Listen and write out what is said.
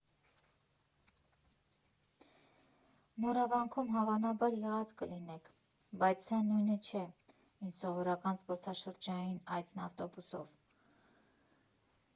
Նորավանքում հավաբանար եղած կլինեք, բայց սա նույնը չէ, ինչ սովորական զբոսաշրջային այցն ավտոբուսով։